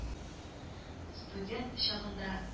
Студент чагында